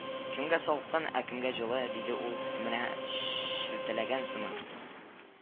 — кемгә салкын, ә кемгә җылы, — диде ул, менә шшелтәләгән сыман